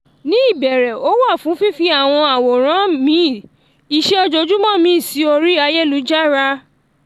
Ní ìbẹ̀rẹ̀, ó wà fún fífi àwọn àwòrán mi, ìṣe ojoojúmọ́ mi sí orí ayélujára.